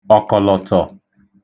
ọ̀kọ̀lọ̀tọ̀